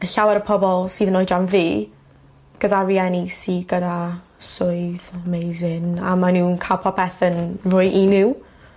ma' llawer o pobol sydd yn oedran fi gyda rieni sy gyda swydd amazin a ma' nw'n ca'l popeth yn rwy' i n'w.